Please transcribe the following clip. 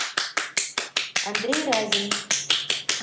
андрей разин